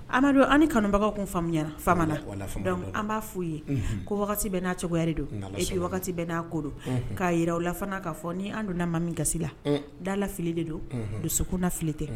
Amadu an kanubagaw tun faamuyamu fa an b'a f'u ye ko wagati bɛ n'a cogoya wɛrɛ don wagati bɛ n'a ko do k'a jira u la k'a fɔ n ni an donna ma min gasi la dalafile de don don segukunle tɛ